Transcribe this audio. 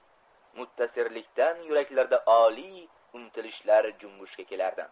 mutaassirlikdan yuraklarda oliy umtilishlar junbushga kelardi